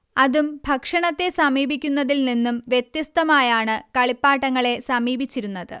അതും ഭക്ഷണത്തെ സമീപിക്കുന്നതിൽ നിന്നും വ്യത്യസ്തമായാണ് കളിപ്പാട്ടങ്ങളെ സമീപിച്ചിരുന്നത്